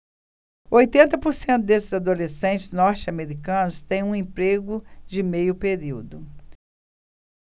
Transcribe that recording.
oitenta por cento desses adolescentes norte-americanos têm um emprego de meio período